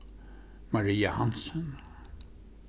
maria hansen